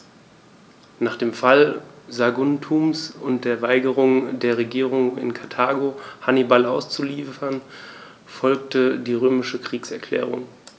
Nach dem Fall Saguntums und der Weigerung der Regierung in Karthago, Hannibal auszuliefern, folgte die römische Kriegserklärung.